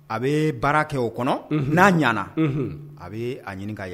A bɛ baara kɛ o kɔnɔ n'a ɲana a bɛ a ɲini ya